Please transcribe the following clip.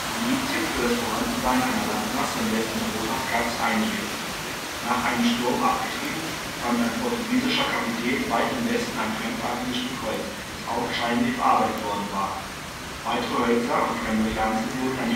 Indizien für das Vorhandensein einer Landmasse im Westen Europas gab es einige. Nach einem Sturm abgetrieben, fand ein portugiesischer Kapitän weit im Westen ein fremdartiges Stück Holz, das augenscheinlich bearbeitet worden war. Weitere Hölzer und fremde Pflanzen wurden